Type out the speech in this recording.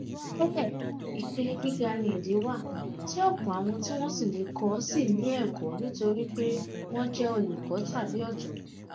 Ìlù náà kúkú ń sakitiyan àmọ́ nígbà tó jẹ́ pé àbá lásán làtì gba àṣẹ ìwé kíkọ lábẹ́ òfin nígbà míràn máa ń gbà ju ọdún 15 lọ láti gbà wọlé, èyí tó ṣàfihàn bó ṣe nira tó láti di onkọ̀wé alátinúdá.